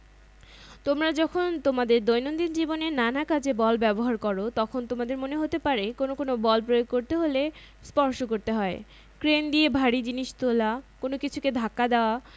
3.2.1 মহাকর্ষ বল বা গ্রেভিটেশন